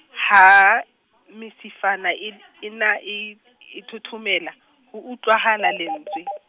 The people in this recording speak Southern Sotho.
ha mesifana en-, ena e, e thothomela, ho utlwahala lentswe.